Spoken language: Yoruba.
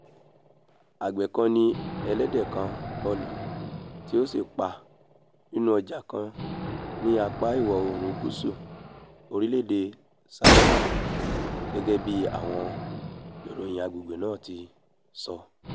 Àgbẹ̀ kan ni ẹlẹ́dẹ̀ kan kọlù tí ó sì pa á nínú ọjà kan ní apá ìwọ̀-oòrùn gúúsù orílẹ̀-èdè Ṣáínà, gẹ́gẹ́bí àwọn ìròyìn agbègbè náà ti sọ.